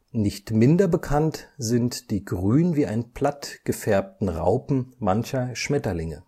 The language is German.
Nicht minder bekannt sind die grün wie ein Blatt gefärbten Raupen mancher Schmetterlinge